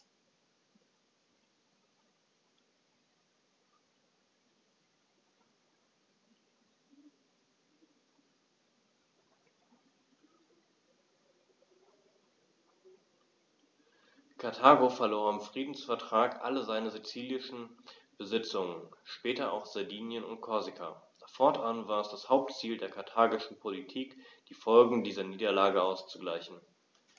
Karthago verlor im Friedensvertrag alle seine sizilischen Besitzungen (später auch Sardinien und Korsika); fortan war es das Hauptziel der karthagischen Politik, die Folgen dieser Niederlage auszugleichen.